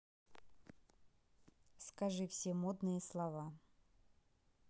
скажи все модные слова